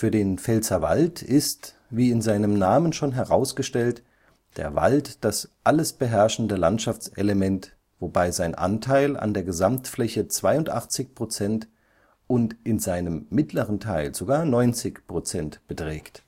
den Pfälzerwald ist, wie in seinem Namen schon herausgestellt, der Wald das alles beherrschende Landschaftselement, wobei sein Anteil an der Gesamtfläche 82 Prozent und in seinem mittleren Teil sogar 90 Prozent beträgt